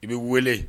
I bɛ wele